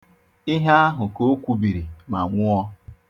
Ihe ahụ ka o kwubiri ma nwụọ.